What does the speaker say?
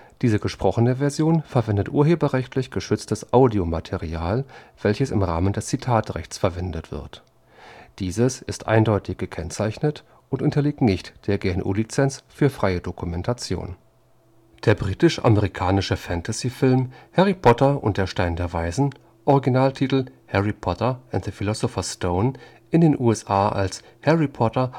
britisch-amerikanische Fantasyfilm Harry Potter und der Stein der Weisen (Originaltitel: Harry Potter and the Philosopher’ s Stone, in den USA als Harry Potter